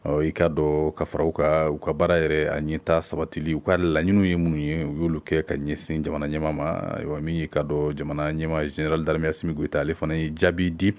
Ɔ i k'a dɔn ka fara u ka u ka baara yɛrɛ a ɲɛtaa sabatili u ka laɲiniw ye mun ye u y'olu kɛ ka ɲɛsin jamana ɲɛmaa ma min ye i k'a dɔn jamana ɲɛmaa général d'armée Asimi goyita ale fana ye jaabi di